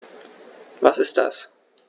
Was ist das?